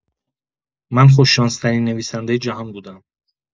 من خوش‌شانس‌ترین نویسنده جهان بودم.